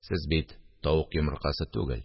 Сез бит тавык йомыркасы түгел